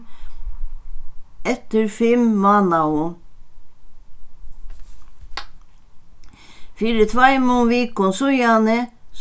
eftir fimm mánaðum fyri tveimum vikum síðani